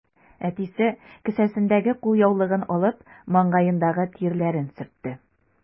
Әтисе, кесәсендәге кулъяулыгын алып, маңгаендагы тирләрен сөртте.